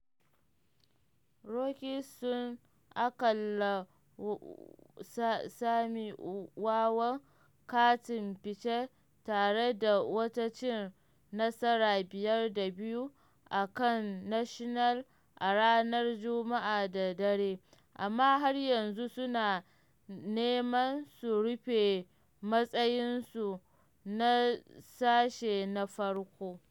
Rockies sun aƙalla sami wawan katin fice tare da wata cin nasara 5 da 2 a kan Nationals a ranar Juma’a da dare, amma har yanzu suna neman su rufe matsayinsu na sashe na farko.